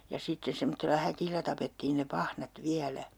ja sitten semmoisella häkillä tapettiin ne pahnat vielä